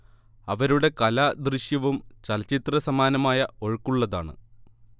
അവരുടെ കല ദൃശ്യവും ചലച്ചിത്രസമാനമായ ഒഴുക്കുള്ളതാണ്